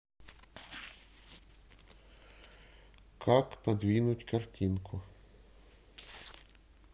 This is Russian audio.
как подвинуть картинку